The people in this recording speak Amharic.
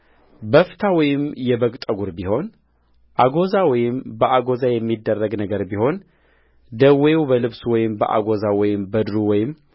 በፍታ ወይም የበግ ጠጕር ቢሆን አጐዛ ወይም ከአጐዛ የሚደረግ ነገር ቢሆንደዌው በልብሱ ወይም በአጐዛው ወይም በድሩ ወይም